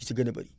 li si gën a bëri